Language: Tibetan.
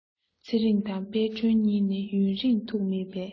ཚེ རིང དང དཔལ སྒྲོན གཉིས ནི ཡུན རིང ཐུགས མེད པས